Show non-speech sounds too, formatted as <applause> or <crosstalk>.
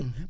<hesitation> <hesitation>